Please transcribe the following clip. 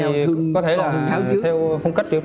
có thể tại vì theo phong cách